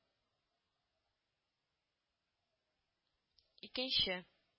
Икенче